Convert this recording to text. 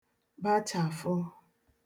bachàfụ